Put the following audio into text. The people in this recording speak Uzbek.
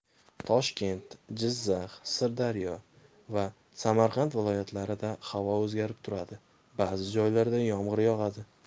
toshkent jizzax sirdaryo va samarqand viloyatlarida havo o'zgarib turadi ba'zi joylarda yomg'ir yog'adi